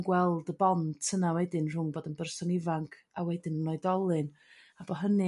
yn gweld y bont yna wedyn rhwng bod yn berson ifanc a wedyn yn oedolyn a bo' hynny